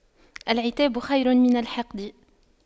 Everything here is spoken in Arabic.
العتاب خير من الحقد